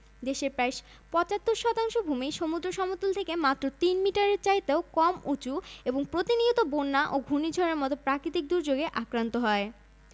উপকূলীয় সীমারেখার দৈর্ঘ্য ৪৮৩ কিলোমিটারের অধিক ভূখন্ডগত সমুদ্রসীমা ১২ নটিক্যাল মাইল ২২ দশমিক দুই দুই কিলোমিটার এবং অর্থনৈতিক সমুদ্রসীমা উপকূল থেকে ২০০ নটিক্যাল মাইল